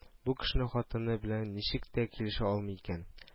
Бу кешенең хатыны белән ничек тә килешә алмый икән